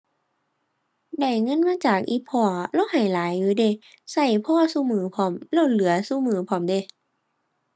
ได้เงินมาจากอีพ่อ เลาให้หลายอยู่เดะ ใช้พอซุมื้อพร้อม แล้วเหลือซุมื้อพร้อมเดะ